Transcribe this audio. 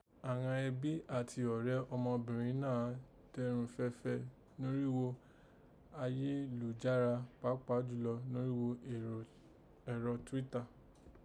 Àghan ẹbí àti ọ̀rẹ́ ọmabìnrẹn náà àán dẹ̀run féèfé norígho ayélujára pàápàá jù lọ norígho ẹ̀rọ Twitter